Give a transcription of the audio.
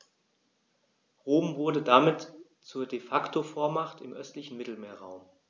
Rom wurde damit zur ‚De-Facto-Vormacht‘ im östlichen Mittelmeerraum.